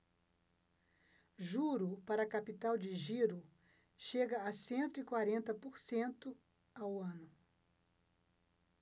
juro para capital de giro chega a cento e quarenta por cento ao ano